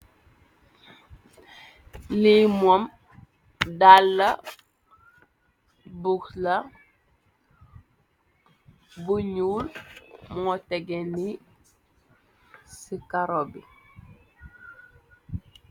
Lii moom dàlla buxla bu ñyuul moo tege ni ci karo bi.